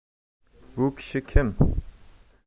bu kishi kim